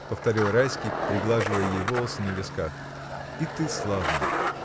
— повторил Райский, приглаживая ей волосы на висках, — и ты славная!